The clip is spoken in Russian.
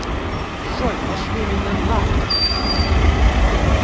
джой пошли меня нахуй